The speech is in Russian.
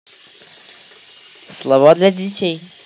слова для детей